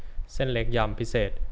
เส้นเล็กยำพิเศษ